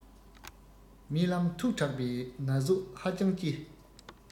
རྨི ལམ མཐུགས དྲགས པས ན ཟུག ཧ ཅང ལྕི